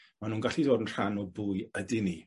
Ma' nw'n gallu ddod yn rhan o bwy ydyn ni.